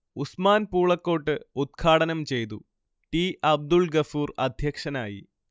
ഉസ്മാൻ പൂളക്കോട്ട് ഉദ്ഘാടനം ചെയ്തു, ടി അബ്ദുൾഗഫൂർ അധ്യക്ഷനായി